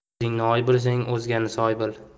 o'zingni oy bilsang o'zgani soy bil